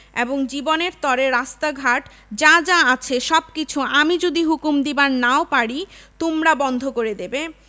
এবং জীবনের তরে রাস্তাঘাট যা যা আছে সবকিছু আমি যদি হুকুম দিবার নাও পারি তোমরা বন্ধ করে দেবে